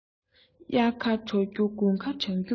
དབྱར ཁ དྲོ རྒྱུ དགུན ཁ གྲང རྒྱུ མེད